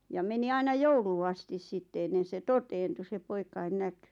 ja meni aina jouluun asti sitten ennen se toteutui se poikien näkyi